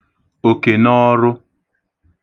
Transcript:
òkènọọrụ